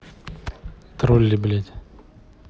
тролли блять